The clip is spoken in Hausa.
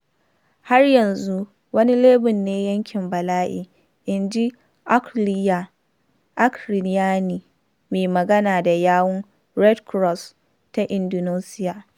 “Har yanzu wani lebur ne yankin bala’i,” inji Aulia Arriani, mai magana da yawun Red Cross ta Indonesiya.